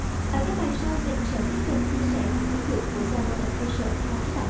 ở các bài sau mình sẽ chia sẻ tiếp các ứng dụng của zalo official account